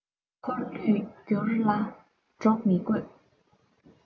འཁོར ལོས བསྒྱུར ལ གྲོགས མི དགོས